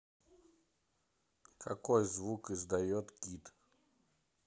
какой какой звук издает кит